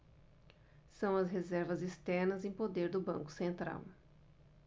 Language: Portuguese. são as reservas externas em poder do banco central